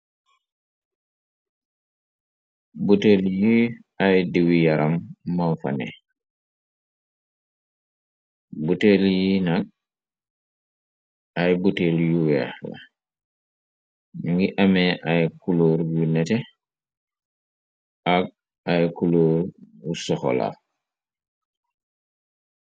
Butel yi ay diwi yaram mom fa nebutel yi nag ay butel yu weex la ngi amee ay kulóor yu nete ak ay kulóor wusoxola.